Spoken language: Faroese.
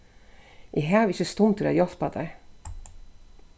eg havi ikki stundir at hjálpa tær